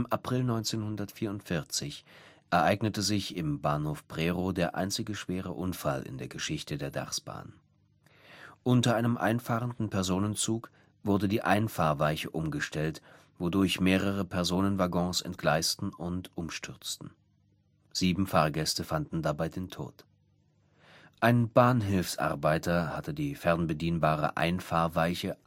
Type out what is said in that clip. April 1944 ereignete sich im Bahnhof Prerow der einzige schwere Unfall in der Geschichte der Darßbahn. Unter einem einfahrenden Personenzug wurde die Einfahrweiche umgestellt, wodurch mehrere Personenwaggons entgleisten und umstürzten. Sieben Fahrgäste fanden dabei den Tod. Ein Bahnhilfsarbeiter hatte die fernbedienbare Einfahrweiche